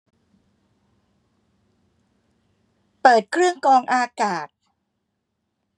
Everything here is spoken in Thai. เปิดเครื่องกรองอากาศ